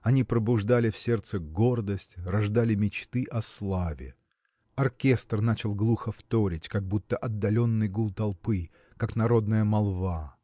они пробуждали в сердце гордость, рождали мечты о славе. Оркестр начал глухо вторить как будто отдаленный гул толпы как народная молва.